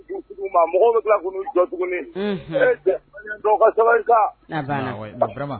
Mɔgɔ bɛ tila jɔ tuguni ka sabali